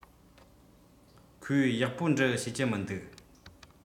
ཁོས ཡག པོ འབྲི ཤེས ཀྱི མི འདུག